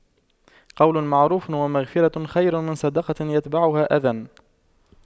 قَولٌ مَّعرُوفٌ وَمَغفِرَةُ خَيرٌ مِّن صَدَقَةٍ يَتبَعُهَا أَذًى